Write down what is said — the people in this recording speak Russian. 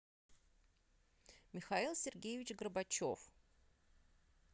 михаил сергеевич горбачев